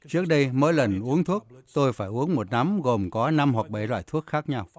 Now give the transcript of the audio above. trước đây mỗi lần uống thuốc tôi phải uống một nắm gồm có năm hoặc bảy loại thuốc khác nhau